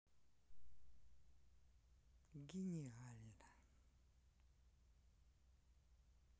гениально